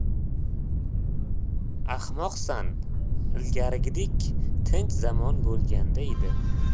ahmoqsan ilgarigidek tinch zamon bo'lganda edi